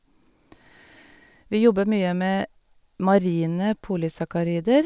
Vi jobber mye med marine polysakkarider.